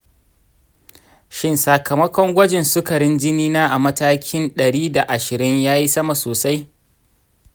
shin sakamakon gwajin sukarin jinina a matakin ɗari da ashsiri yayi sama sosai?